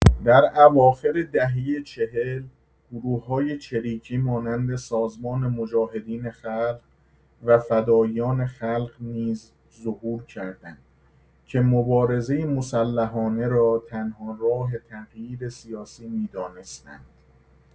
در اواخر دهه چهل گروه‌های چریکی مانند سازمان مجاهدین خلق و فداییان خلق نیز ظهور کردند که مبارزه مسلحانه را تنها راه تغییر سیاسی می‌دانستند.